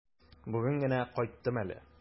Бүген генә кайттым әле.